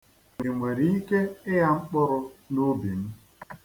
I nwere ike ịgha mkpụrụ n'ubi m?